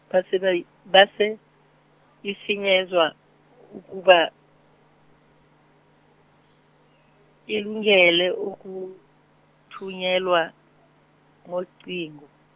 base baye, base, ifinyezwa, ukuba, ilungele ukuthunyelwa, ngocingo.